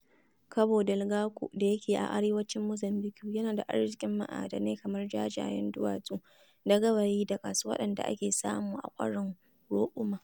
Cabo Delgado da yake a arewacin Mozambiƙue, yana da arziƙin ma'adanai kamar jajayen duwatsu da gawayi da gas, waɗanda ake samu a kwarin Roɓuma.